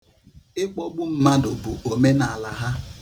Ịkpọgbu mmadụ bụ omenala ha.